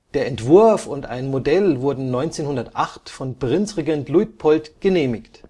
Entwurf und ein Modell wurden 1908 von Prinzregent Luitpold genehmigt